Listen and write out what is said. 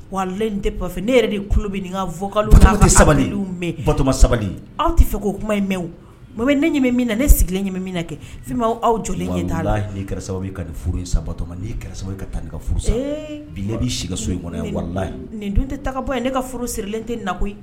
Wa tɛ pa fɛ ne yɛrɛ de bɛ nin fɔka sabali batoma sabali aw tɛ fɛ k'o kuma ye mɛ mɛ ne min na ne sigilen min na kɛ fma aw jɔ sababu nin furu sato ka taa ka bi' sika so in kɔnɔ yan warala nin don tɛ taga ka bɔ ye ne ka furu sirilen tɛ nakɔ